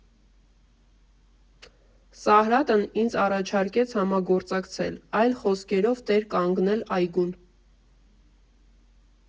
«Սարհատն ինձ առաջարկեց համագործակցել, այլ խոսքերով՝ տեր կանգնել այգուն։